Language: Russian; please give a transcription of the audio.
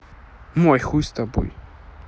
мой хуй с тобой